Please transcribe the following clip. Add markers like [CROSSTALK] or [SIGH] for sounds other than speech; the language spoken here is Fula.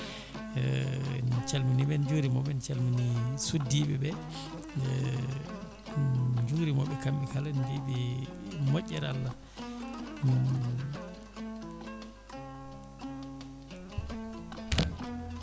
en calminiɓe en jurimaɓe en calmini suddiɓeɓe [HESITATION] jurimaɓe kamɓe kala en mbiɓe moƴƴere Allah